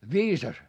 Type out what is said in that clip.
viisas